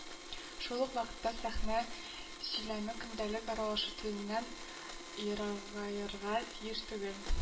Шул ук вакытта сәхнә сөйләме көндәлек аралашу теленнән ерагаерга тиеш түгел.